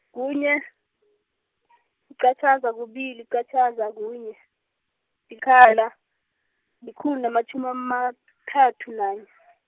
kunye, yiqatjhaza kubili -qatjhaza kunye, -ikhala, likhulu namatjhumi amathathu nanye.